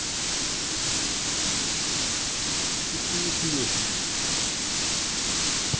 ты хуеплетина